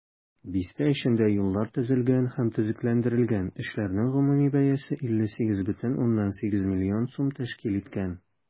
Бистә эчендә юллар төзелгән һәм төзекләндерелгән, эшләрнең гомуми бәясе 58,8 миллион сум тәшкил иткән.